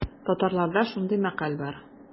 Татарларда шундый мәкаль бар.